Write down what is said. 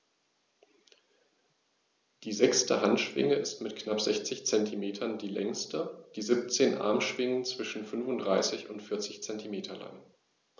Die sechste Handschwinge ist mit knapp 60 cm die längste. Die 17 Armschwingen sind zwischen 35 und 40 cm lang.